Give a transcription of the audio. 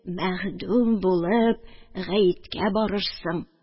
Мәхдүм булып гаеткә барырсың